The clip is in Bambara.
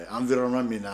Anvr min